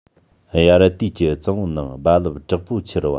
དབྱར དུས ཀྱི གཙང པོའི ནང རྦ རླབས དྲག པོ འཕྱུར བ